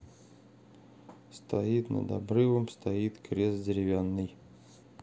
стоит над обрывом стоит крест деревянный